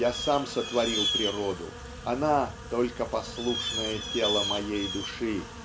Я сам сотворил природу; она -- только послушное тело моей души.